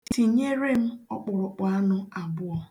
Tinyere m ọkpụrụkpụ anụ abụọ.